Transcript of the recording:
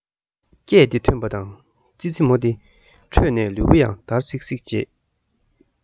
སྐད དེ ཐོས པ དང ཙི ཙི མོ དེ ཁྲོས ནས ལུས པོ ཡང འདར སིག སིག བྱེད